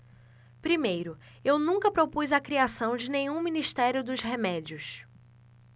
primeiro eu nunca propus a criação de nenhum ministério dos remédios